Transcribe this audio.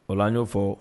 O la n y'o fɔ